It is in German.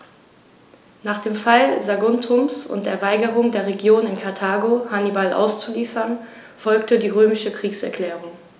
Nach dem Fall Saguntums und der Weigerung der Regierung in Karthago, Hannibal auszuliefern, folgte die römische Kriegserklärung.